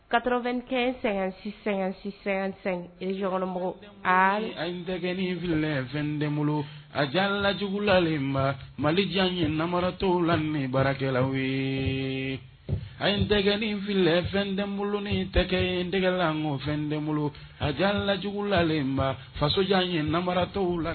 Katokɛ sɛgɛn-sɛsɛsongɔnmɔgɔ an dɛ fili fɛn den bolo a jalajlalen in mali jan ye nara tɔww la baarakɛla ye a ye n dɛ ni fili fɛn denɛn bolo ni dɛ n dɛlakɔ fɛn den bolo a la jugulalen in faso jan ye namara tɔww la